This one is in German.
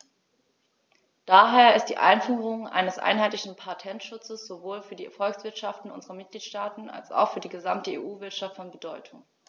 Daher ist die Einführung eines einheitlichen Patentschutzes sowohl für die Volkswirtschaften unserer Mitgliedstaaten als auch für die gesamte EU-Wirtschaft von Bedeutung.